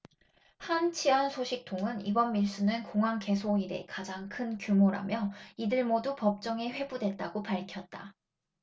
한 치안 소식통은 이번 밀수는 공항 개소 이래 가장 큰 규모라며 이들 모두 법정에 회부됐다고 밝혔다